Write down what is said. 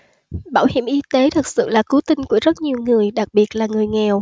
bảo hiểm y tế thật sự là cứu tinh của rất nhiều người đặc biệt là người nghèo